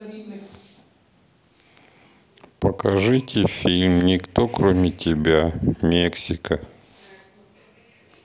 покажите фильм никто кроме тебя мексика